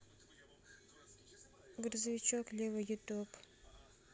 грузовичок лева ютуб